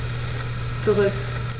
Zurück.